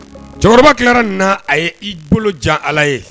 Cɛkɔrɔba tilara ni na, a ye i bolojan Ala ye